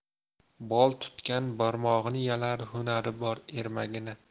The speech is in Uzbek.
bol tutgan barmog'ini yalar hunari bor ermagini